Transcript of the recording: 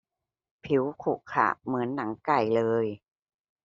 ผิวขรุขระเหมือนหนังไก่เลย